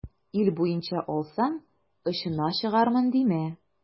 Ил буенча алсаң, очына чыгармын димә.